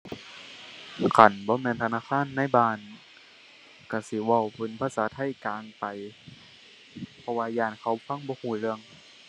คันบ่แม่นธนาคารในบ้านก็สิเว้าเป็นภาษาไทยกลางไป เพราะว่าย้านเขาฟังบ่ก็เรื่อง